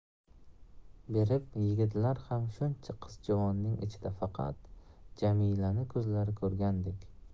berib yigitlar ham shuncha qiz juvonning ichida faqat jamilani ko'zlari ko'rgandek